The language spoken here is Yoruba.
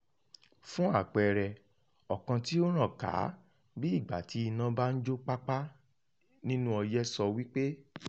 Fún àpẹẹrẹ, ọ̀kan tí ó ràn ká bí ìgbà tí iná bá ń jó pápá inú ọyẹ́ sọ wípé: